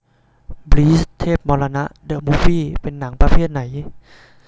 บลีชเทพมรณะเดอะมูฟวี่เป็นหนังประเภทไหน